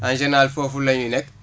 en général foofu la ñuy nekk